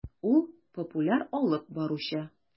Ул - популяр алып баручы.